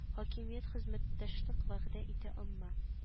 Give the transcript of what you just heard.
Хакимият хезмәттәшлек вәгъдә итә әмма